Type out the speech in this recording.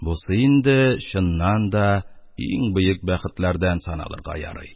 Бусы инде чыннан да иң бөек бәхетләрдән